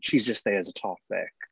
She's just there as a topic.